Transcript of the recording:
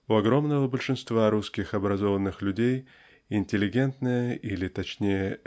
У огромного большинства русских образованных людей интеллигентная (или точнее